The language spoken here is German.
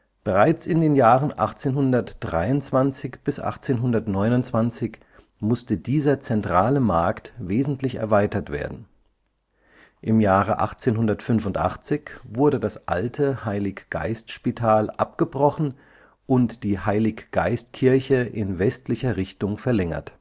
Bereits in den Jahren 1823 bis 1829 musste dieser zentrale Markt wesentlich erweitert werden. Im Jahre 1885 wurde das alte Heilig-Geist-Spital abgebrochen und die Heilig-Geist-Kirche in westlicher Richtung verlängert